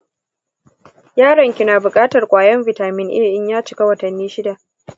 yaronki na bukatar kwayar vitamin a in ya cika watanni shida.